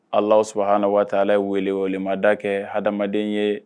Alahu subahana wataala ye welewelemada kɛ hadamaden ye